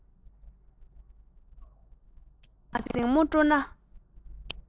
འཇིག རྟེན ལ གཟིགས མོ སྤྲོ ན